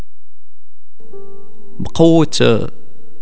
بقوه